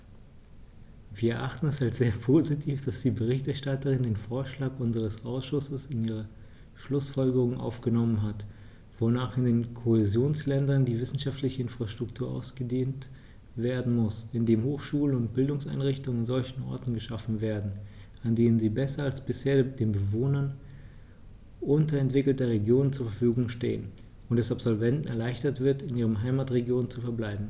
Wir erachten es als sehr positiv, dass die Berichterstatterin den Vorschlag unseres Ausschusses in ihre Schlußfolgerungen aufgenommen hat, wonach in den Kohäsionsländern die wissenschaftliche Infrastruktur ausgedehnt werden muss, indem Hochschulen und Bildungseinrichtungen an solchen Orten geschaffen werden, an denen sie besser als bisher den Bewohnern unterentwickelter Regionen zur Verfügung stehen, und es Absolventen erleichtert wird, in ihren Heimatregionen zu verbleiben.